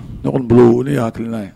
Dɔgɔnin ne hakiliki n'a ye